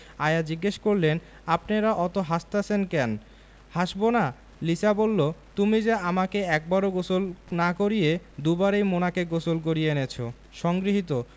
আয়া জিজ্ঞেস করলেন আপনেরা অত হাসতাসেন ক্যান হাসবোনা লিসা বললো তুমি যে আমাকে একবারও গোসল না করিয়ে দুবারই মোনাকে গোসল করিয়ে এনেছো সংগৃহীত